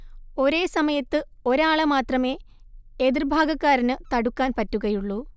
ഒരേ സമയത്ത് ഒരാളെ മാത്രമേ എതിര്ഭാഗക്കാരന് തടുക്കാൻ പറ്റുകയുള്ളു